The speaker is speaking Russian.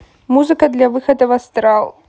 музыка для выхода в астрал